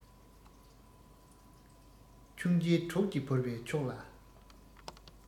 ཆུང སྐྱེས གྲོགས ཀྱིས བོར བའི ཕྱོགས ལ